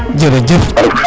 jerejef